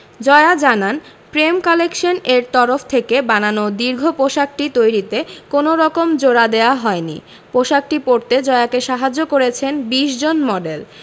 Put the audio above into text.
জয়া জানান প্রেম কালেকশন এর তরফ থেকে বানানো দীর্ঘ পোশাকটি তৈরিতে কোনো রকম জোড়া দেয়া হয়নি পোশাকটি পরতে জয়াকে সাহায্য করেছেন ২০ জন মডেল